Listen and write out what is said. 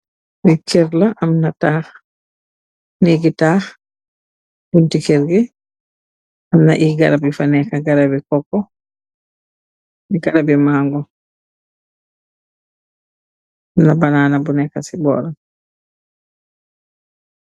Li kër la am na taax, neggi taax bunti kërge am na iy garabi fa nekk garabi koko, garabi mango, amna banana bu nekka ci booram